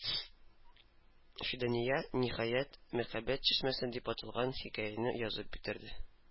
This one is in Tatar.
Фидания, ниһаять, "Мәхәббәт чишмәсе" дип аталган хикәяне язып бетерде.